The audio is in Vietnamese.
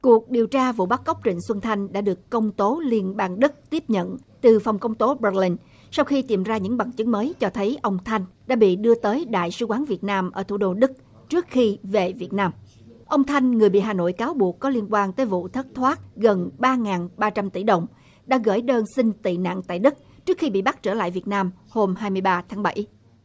cuộc điều tra vụ bắt cóc trịnh xuân thanh đã được công tố liên bang đức tiếp nhận từ phòng công tố béc linh sau khi tìm ra những bằng chứng mới cho thấy ông thanh đã bị đưa tới đại sứ quán việt nam ở thủ đô đức trước khi về việt nam ông thanh người bị hà nội cáo buộc có liên quan tới vụ thất thoát gần ba ngàn ba trăm tỷ đồng đã gửi đơn xin tị nạn tại đức trước khi bị bắt trở lại việt nam hôm hai mươi ba tháng bảy